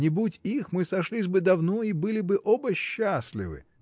Не будь их, мы сошлись бы давно и были бы оба счастливы.